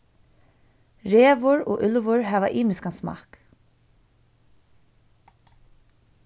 revur og úlvur hava ymiskan smakk